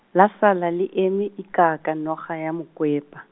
la sala le eme, e ka ka noga ya mokwepa.